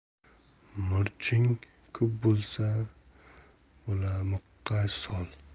murching ko'p bo'lsa bulamiqqa sol